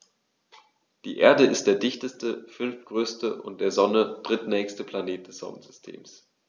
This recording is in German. Die Erde ist der dichteste, fünftgrößte und der Sonne drittnächste Planet des Sonnensystems.